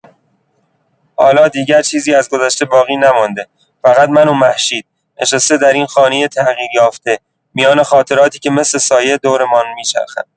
حالا دیگر چیزی از گذشته باقی نمانده، فقط من و مهشید، نشسته در این خانۀ تغییر یافته، میان خاطراتی که مثل سایه دورمان می‌چرخند.